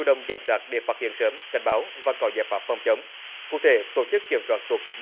động kiểm soát để phát hiện sớm cảnh báo và có giải pháp phòng chống cụ thể tổ chức kiểm soát tốt dịch